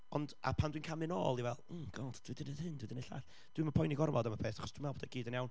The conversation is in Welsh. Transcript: Ond, a pan dwi'n camu nôl, dwi fel, "o god dwi 'di wneud hyn, dwi 'di wneud llall", dwi'm yn poeni gormod am y peth, achos dwi'n meddwl bod o gyd yn iawn.